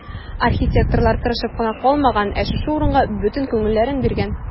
Архитекторлар тырышып кына калмаган, ә шушы урынга бөтен күңелләрен биргән.